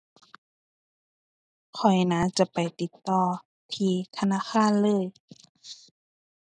ข้อยนะ จะไปติดต่อที่ธนาคารเลย